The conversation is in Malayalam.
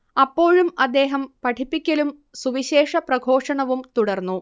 അപ്പോഴും അദ്ദേഹം പഠിപ്പിക്കലും സുവിശേഷ പ്രഘോഷണവും തുടർന്നു